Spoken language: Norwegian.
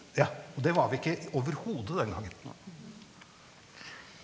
ja og det var vi ikke overhodet den gangen.